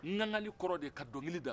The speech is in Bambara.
ŋaŋali kɔrɔ de ka dɔnkili da